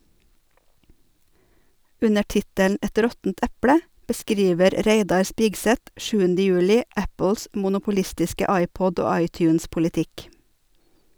Under tittelen "Et råttent eple" beskriver Reidar Spigseth 7. juli Apples monopolistiske iPod- og iTunes-politikk.